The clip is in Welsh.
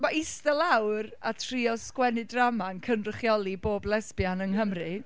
Ma' ista lawr a trio sgwennu drama yn cynrychioli bob lesbian yng Nghymru...